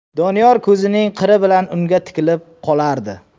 doniyor ko'zining qiri bilan unga tikilib qolardi